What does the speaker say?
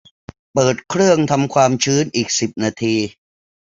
เปิดเครื่องทำความชื้นอีกสิบนาที